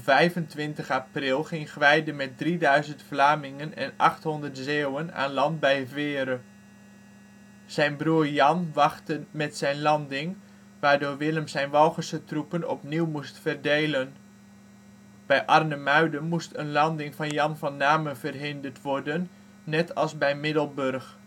25 april ging Gwijde met 3000 Vlamingen en 800 Zeeuwen aan land bij Veere. Zijn broer Jan wachtte met zijn landing, waardoor Willem zijn Walcherse troepen opnieuw moest verdelen. Bij Arnemuiden moest een landing van Jan van Namen verhinderd worden, net als bij Middelburg